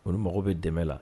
U mago bɛ dɛmɛ la